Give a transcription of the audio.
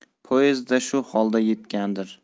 poezdda shu holda yetgandir